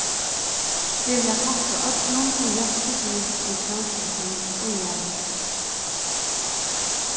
vit vilja takka øllum ið hjálptu til við kórseting og jarðarferð